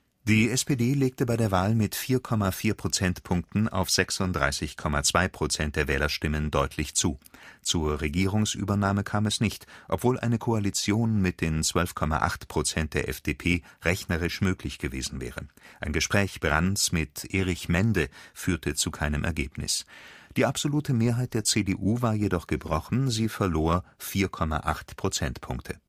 Die SPD legte bei der Wahl mit 4,4 Prozentpunkten auf 36,2 Prozent der Wählerstimmen deutlich zu. Zur Regierungsübernahme kam es nicht, obwohl eine Koalition mit den 12,8 Prozent der FDP rechnerisch möglich gewesen wäre. Ein Gespräch Brandts mit Erich Mende führte zu keinem Ergebnis. Die absolute Mehrheit der CDU war jedoch gebrochen, sie verlor 4,8 Prozentpunkte